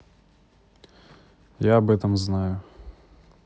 я об этом знаю